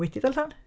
...Wedi darllen.